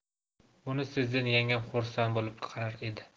buni sezgan yangam xursand bo'lib qarar edi